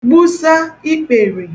gbùsa ikpère